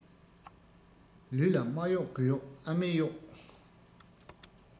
ལུས ལ མ གཡོགས དགུ གཡོགས ཨ མས གཡོགས